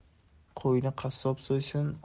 qo'yni qassob so'ysin